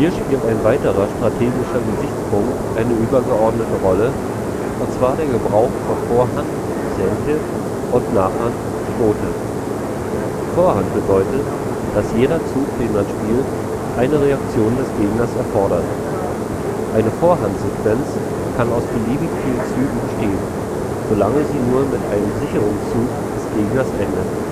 spielt ein weiterer strategischer Gesichtspunkt eine übergeordnete Rolle, und zwar der Gebrauch von Vorhand sente und Nachhand gote. Vorhand bedeutet, dass jeder Zug, den man spielt, eine Reaktion des Gegners erfordert. Eine Vorhandsequenz kann aus beliebig vielen Zügen bestehen, solange sie nur mit einem Sicherungszug des Gegners endet